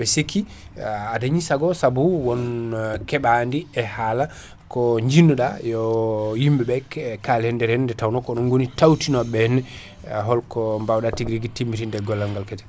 ɓe siki a dañi sago saabu won keɓadi e haala ko jinnoɗa yo yimɓeɓe kala e nder hen nde tawno ko onon goni tawti noɓe ɓe henna e holko mbawɗa tiguirigui timmitinde gollalgal kaadi